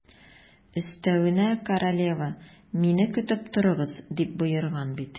Өстәвенә, королева: «Мине көтеп торыгыз», - дип боерган бит.